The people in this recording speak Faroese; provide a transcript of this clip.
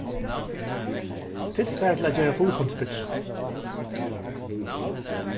tilfar til at gera fullkornspitsu